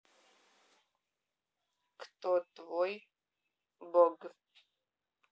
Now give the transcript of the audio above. кто твой бог